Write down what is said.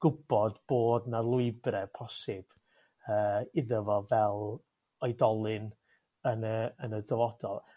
gwbod bod 'na lwybre posib yy iddo fo fel oedolyn yn y yn y dyfodol.